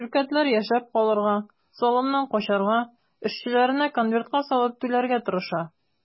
Ширкәтләр яшәп калырга, салымнан качарга, эшчеләренә конвертка салып түләргә тырыша.